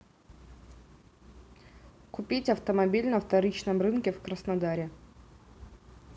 купить автомобиль на вторичном рынке в краснодаре